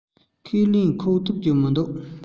ཁས ལེན ཁུག ཐུབ ཀྱི མི འདུག